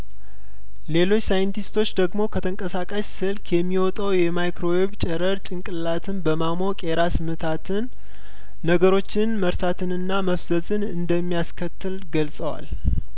ሌሎች ሳይንቲስቶች ደግሞ ከተንቀሳቃሽ ስልክ የሚወጣው የማይክሮ ዌቭ ጨረር ጭንቅላትን በማሞቅ የራስምታትን ነገሮችን መርሳትንና መፍዘዝን እንደሚያስከትል ገልጸዋል